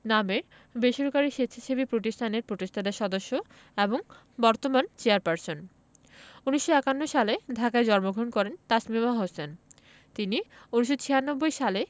নামের বেসরকারি স্বেচ্ছাসেবী প্রতিষ্ঠানের প্রতিষ্ঠাতা সদস্য এবং বর্তমান চেয়ারপারসন ১৯৫১ সালে ঢাকায় জন্মগ্রহণ করেন তাসমিমা হোসেন তিনি ১৯৯৬ সালে